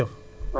d' accord